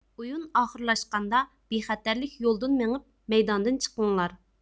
ئويۇن ئاخىرلاشقاندا بىخەتەرلىك يولىدىن مېڭىپ مەيداندىن چىقىڭلار